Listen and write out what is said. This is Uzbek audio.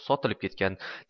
sotilib ketgan